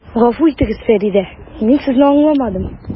Гафу итегез, Фәридә, мин Сезне аңламадым.